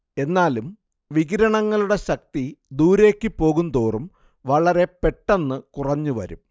എന്നാലും വികിരണങ്ങളുടെ ശക്തി ദൂരേയ്ക്ക് പോകുന്തോറും വളരെപ്പെട്ടെന്ന് കുറഞ്ഞുവരും